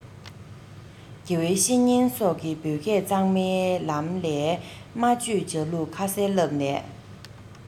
དགེ བའི བཤེས གཉེན སོགས ཀྱི བོད སྐད གཙང མའི ལམ ལས སྨྲ བརྗོད བྱ ལུགས ཁ གསལ བསླབ ནས